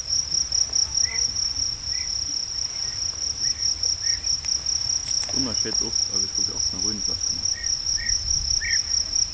gunnar skeyt upp at vit skuldu opna vínfløskuna